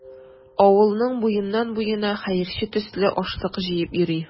Авылның буеннан-буена хәерче төсле ашлык җыеп йөри.